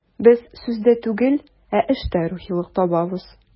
Без сүздә түгел, ә эштә рухилык табабыз.